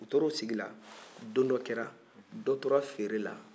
u tora o sigi la don dɔ kɛra dɔ tora feere la